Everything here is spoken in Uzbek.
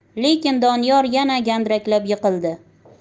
lekin doniyor yana gandiraklab yiqildi